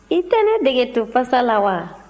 i tɛ ne dege tofasa la wa